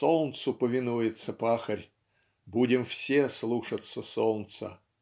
Солнцу повинуется пахарь; будем все слушаться солнца.